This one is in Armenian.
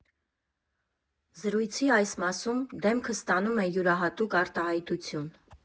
Զրույցի այս մասում դեմքը ստանում է յուրահատուկ արտահայտություն։